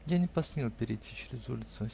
Я не посмел перейти через улицу.